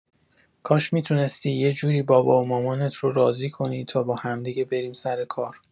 کاش می‌تونستی یه جوری بابا و مامانت رو راضی کنی تا با همدیگه بریم سر کار.